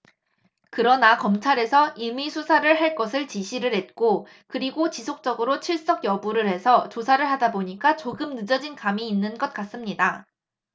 그러나 검찰에서 임의수사를 할 것을 지시를 했고 그리고 지속적으로 출석 여부를 해서 조사를 하다 보니까 조금 늦어진 감이 있는 것 같습니다